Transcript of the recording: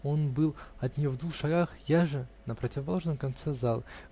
он был от нее в двух шагах, я же -- на противоположном конце залы.